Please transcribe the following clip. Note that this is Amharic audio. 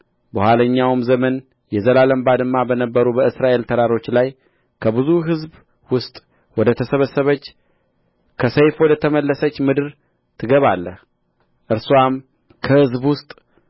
በኋለኛውም ዘመን የዘላለም ባድማ በነበሩ በእስራኤል ተራሮች ላይ ከብዙ ሕዝብ ውስጥ ወደ ተሰበሰበች ከሰይፍ ወደ ተመለሰች ምድር ትገባለህ እርስዋም ከሕዝብ ውስጥ